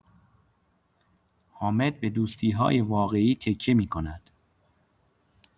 حامد به دوستی‌های واقعی تکیه می‌کند.